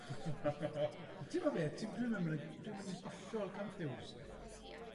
T'mod be' ti'm diw myn yn dwi'n myn' yn hollol confused.